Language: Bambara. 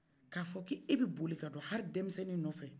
kafɔ k'e b'i boli ka don hali denmisɛnnin nɔfɛ